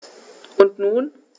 Und nun?